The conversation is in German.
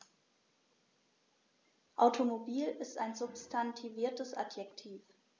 Automobil ist ein substantiviertes Adjektiv.